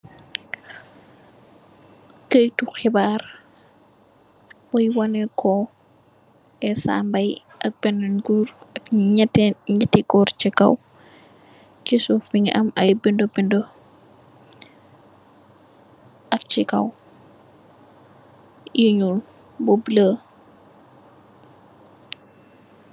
Keitu hebarr bui waneko Essa mbaye ak benen gorr ak nyeteh nyeti gorr sey kaw sey suuf Mungi am i bindi bindi ak sey kaw e nyuul ak blue